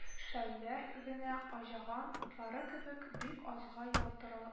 Шәүләр генә, аҗаган утлары кебек, бик азга ялтырал